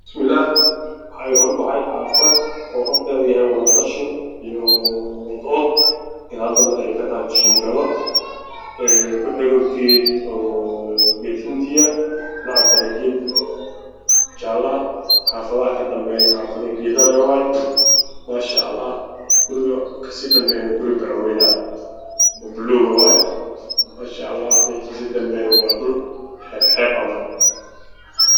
Waxaa ii muuqday xaafado iyo guryo oo duudunsan iyo geed cagaaran